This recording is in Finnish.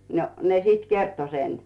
no ne sitten kertoi sen